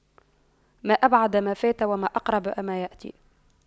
ما أبعد ما فات وما أقرب ما يأتي